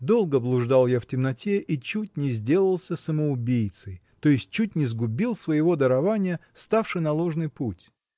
Долго блуждал я в темноте и чуть не сделался самоубийцей, то есть чуть не сгубил своего дарования, ставши на ложный путь!